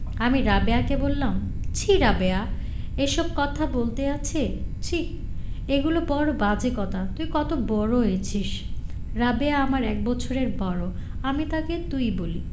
আমি রাবেয়াকে বললাম ছিঃ রাবেয়া এসব বলতে আছে ছিঃ এগুলো বড় বাজে কথা তুই কত বড় হয়েছিস রাবেয়া আমার এক বৎসরের বড় আমি তাকে তুই বলি